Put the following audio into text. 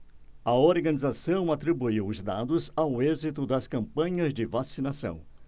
a organização atribuiu os dados ao êxito das campanhas de vacinação